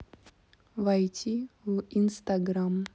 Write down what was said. войти в инстаграм